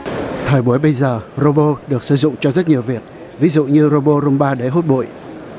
thời buổi bây giờ rô bô được sử dụng cho rất nhiều việc ví dụ như rô bô rum ba để hút bụi